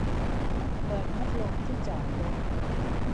เปิดพัดลมที่จอดรถ